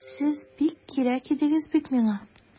Сез бик кирәк идегез бит миңа!